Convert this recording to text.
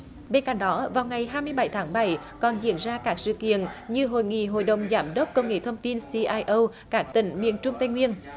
bên cạnh đó vào ngày hai mươi bảy tháng bảy còn diễn ra các sự kiện như hội nghị hội đồng giám đốc công nghệ thông tin xi ai âu các tỉnh miền trung tây nguyên